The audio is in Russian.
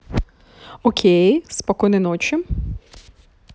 окей спокойной ночи